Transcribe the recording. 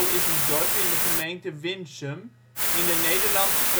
is een dorp in de gemeente Winsum in de Nederlandse